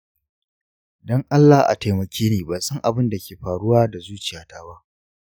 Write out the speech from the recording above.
dan allah a taimake ni, ban san abin da ke faruwa da zuciyata ba.